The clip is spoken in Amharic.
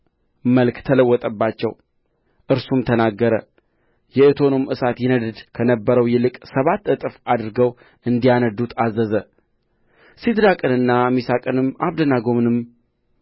መልክ ተለወጠባቸው እርሱም ተናገረ የእቶንም እሳት ይነድድ ከነበረው ይልቅ ሰባት እጥፍ አድርገው እንዲያነድዱት አዘዘ ሲድራቅንና ሚሳቅንም አብደናጎንም